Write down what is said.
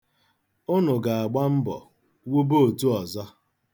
Unu ga-agba mbọ wube otu ọzọ.